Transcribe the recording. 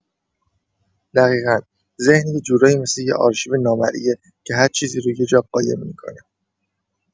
دقیقا، ذهن یه جورایی مثل یه آرشیو نامرئیه که هر چیزی رو یه جا قایم می‌کنه.